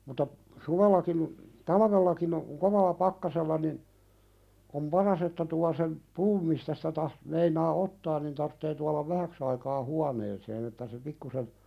mutta suvellakin talvellakin on kovalla pakkasella niin on paras että tuo sen puun mistä sitä - meinaa ottaa niin tarvitsee tuoda vähäksi aikaa huoneeseen että se pikkuisen